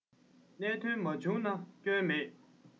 གནད དོན མ བྱུང ན སྐྱོན མེད